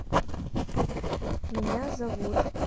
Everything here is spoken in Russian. меня зовут